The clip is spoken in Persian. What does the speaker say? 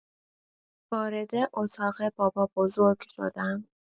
وارد اتاق بابابزرگ شدم.